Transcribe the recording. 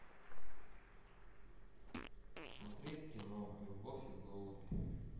смотреть кино любовь и голуби